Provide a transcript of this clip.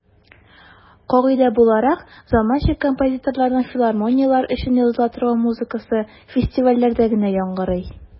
Кагыйдә буларак, заманча композиторларның филармонияләр өчен языла торган музыкасы фестивальләрдә генә яңгырый.